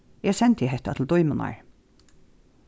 eg sendi hetta til dímunar